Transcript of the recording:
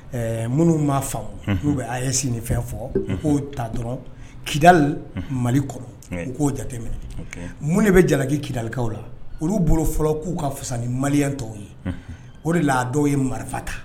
Ɛɛ minnu ma faamu n'u bɛ AES ni fɛnw fɔ k'o ta dɔrɔn Kidali, Mali kɔnɔ, u k'o jateminɛ mun de bɛ jalaki kidalikaw la, olu bolo fɔlɔ k'u ka fisa ni maliyɛn tɔw ye, unhun, o de la dɔw ye marifa ta